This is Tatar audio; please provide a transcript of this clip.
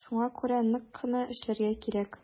Шуңа күрә нык кына эшләргә кирәк.